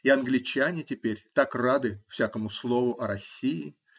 И англичане теперь так рады всякому слову о России.